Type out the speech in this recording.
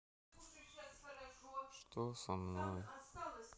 что со мной